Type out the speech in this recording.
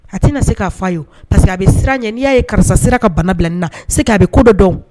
A tɛna na se k'a fa ye parce que a bɛ sira ɲɛ n'i y' ye karisasira ka bana bila na se a bɛ ko dɔ dɔn